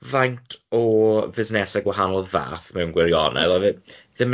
Faint o fusnesau gwahanol fath mewn gwirionedd oedd e ddim